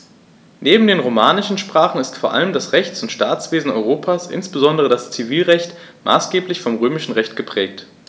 Neben den romanischen Sprachen ist vor allem das Rechts- und Staatswesen Europas, insbesondere das Zivilrecht, maßgeblich vom Römischen Recht geprägt.